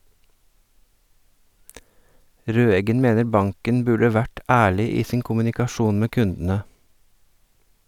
Røeggen mener banken burde vært ærlig i sin kommunikasjon med kundene.